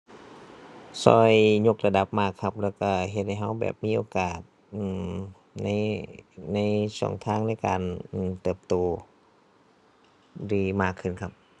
ช่วยยกระดับมากครับ แล้วช่วยเฮ็ดให้ช่วยแบบมีโอกาส อือ ใน ในช่องทางในการ อือ เติบโตดีมากขึ้นครับ